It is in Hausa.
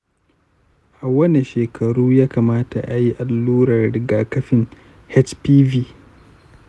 a wane shekaru ya kamata a yi allurar rigakafin hpv ?